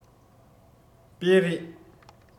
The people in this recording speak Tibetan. སྤེལ རེས